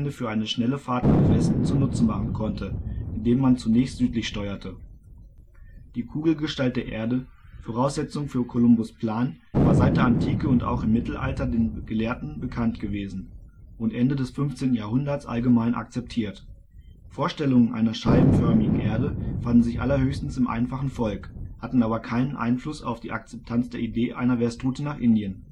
für eine schnelle Fahrt nach Westen zu Nutze machen konnte, indem man zunächst südlich steuerte. Die Kugelgestalt der Erde, Voraussetzung für Kolumbus ' Plan, war seit der Antike und auch im Mittelalter den Gelehrten bekannt gewesen und Ende des 15. Jahrhunderts allgemein akzeptiert. Vorstellungen einer scheibenförmigen Erde fanden sich allerhöchstens im einfachen Volk, hatten aber keinen Einfluss auf die Akzeptanz der Idee einer Westroute nach Indien